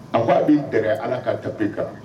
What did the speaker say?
A k'a b'u dɛmɛ allah ka kama.